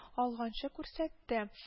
Алганчы күрсәтте